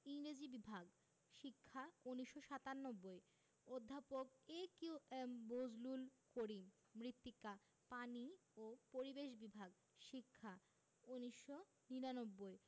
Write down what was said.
ইংরেজি বিভাগ শিক্ষা ১৯৯৭ অধ্যাপক A Q M Bazlul Karim মৃত্তিকা পানি ও পরিবেশ বিভাগ শিক্ষা ১৯৯৯